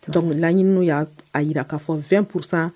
Dɔnku laɲiniini y'aa jira k'a fɔ fɛnpsan